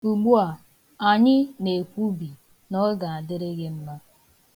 Ugbua, anyị na-ekwubi na ọ ga-adịrị gị mma.